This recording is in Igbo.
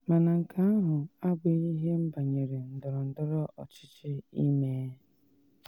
Mana nke ahụ abụghị ihe m banyere ndọrọndọrọ ọchịchị ịme.